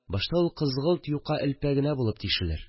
Башта ул кызгылт юка элпә генә булып тишелер